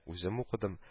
Үзем укыдым